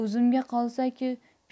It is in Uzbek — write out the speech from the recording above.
o'zimga qolsa ku